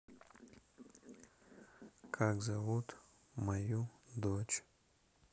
как зовут мою дочь